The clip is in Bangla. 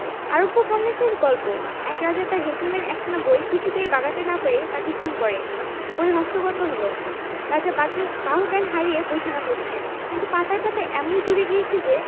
আরব্যোপন্যাসের গল্প এক রাজা তাঁর হেকিমের একখানা বই কিছুতেই বাগাতে না পেরে তাঁকে খুন করেন বই হস্তগত হল রাজা বাহ্যজ্ঞান হারিয়ে বইখানা পড়ছেন কিন্তু পাতায় পাতায় এমনি জুড়ে গিয়েছে যে